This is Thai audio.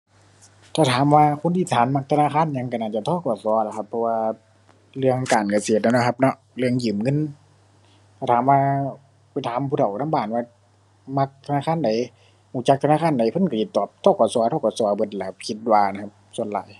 ถ้าถามว่าคนที่ถามมักธนาคารอิหยัง ก็น่าจะ ธ.ก.ส. ละครับ เพราะว่าเรื่องการเกษตรละเนาะครับเนาะ เรื่องยืมเงิน ถ้าถามว่าไปถามผู้เฒ่านำบ้านว่ามักธนาคารใด ก็จักธนาคารใด เพิ่นก็อิตอบ ธ.ก.ส. ธ.ก.ส. เบิดนั่นล่ะครับ คิดว่านะครับ ส่วนหลาย